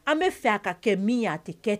An bɛ fɛ a ka kɛ min' ye a tɛ kɛ